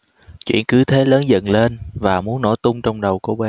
chuyện cứ thế lớn dần lên và muốn nổ tung trong đầu cô bé